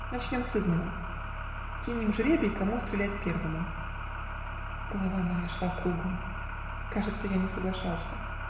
Начнем сызнова; кинем жребий, кому стрелять первому". Голова моя шла кругом. Кажется, я не соглашался.